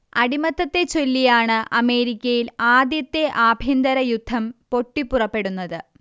അടിമത്തത്തെച്ചൊല്ലിയാണ് അമേരിക്കയിൽ ആദ്യത്തെ ആഭ്യന്തര യുദ്ധം പൊട്ടിപ്പുറപ്പെടുന്നത്